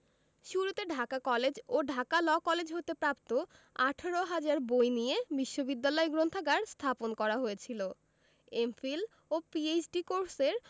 শুরুতে ঢাকা কলেজ ও Dhaka law college হতে প্রাপ্ত ১৮ হাজার বই নিয়ে বিশ্ববিদ্যালয় গ্রন্থাগার স্থাপন করা হয়েছিল এম.ফিল ও পিএইচ.ডি কোর্সের